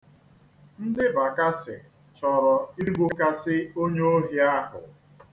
Ndị Bakasị chọrọ igbukasị onye ohi ahụ.